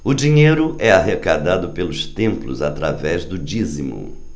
o dinheiro é arrecadado pelos templos através do dízimo